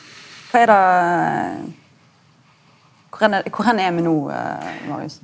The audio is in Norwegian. kva er det kor hen kor hen er vi no Marius?